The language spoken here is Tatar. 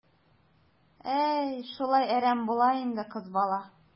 Әй, шулай әрәм була инде кыз бала.